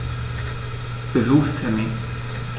Besuchstermin